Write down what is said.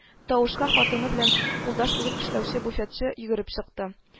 Тавышка хатыны белән кулдаш булып эшләүче буфетчы йөгереп чыкты